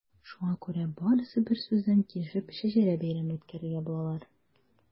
Шуңа күрә барысы берсүздән килешеп “Шәҗәрә бәйрәме” үткәрергә булалар.